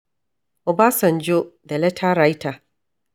Obasanjo, the letter writer?